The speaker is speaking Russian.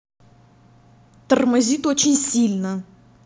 тормозит очень сильно